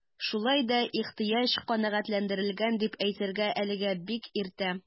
Шулай да ихтыяҗ канәгатьләндерелгән дип әйтергә әлегә бик иртә.